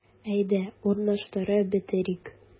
Әйдә, урнаштырып бетерик.